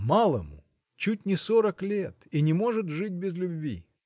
Малому чуть не сорок лет, и не может жить без любви!